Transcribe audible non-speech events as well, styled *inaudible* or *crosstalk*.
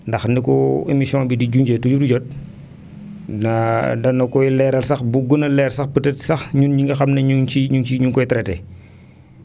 ndax ni ko émission bi di junjee heure bu jot naa *hesitation* dana koy leeral sax bu gën a leer sax peut être sax ñun ñi nga xam ne ñu ngi ciy ñu ngi ciy ñu ngi koy traité